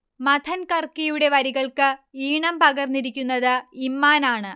മഥൻ കർക്കിയുടെ വരികൾക്ക് ഈണം പകർന്നിരിക്കുന്നത് ഇമ്മാനാണ്